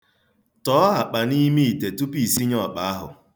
Tọọ akpa n'ime ite tupu isinye ọkpa ahụ.